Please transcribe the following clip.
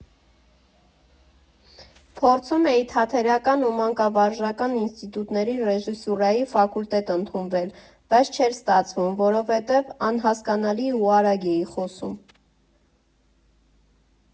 Փորձում էի թատերական ու մանկավարժական ինստիտուտների ռեժիսուրայի ֆակուլտետ ընդունվել, բայց չէր ստացվում, որովհետև անհասկանալի ու արագ էի խոսում։